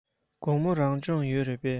དགོང མོ རང སྦྱོང ཡོད རེད པས